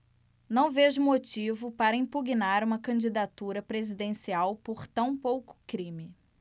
não vejo motivo para impugnar uma candidatura presidencial por tão pouco crime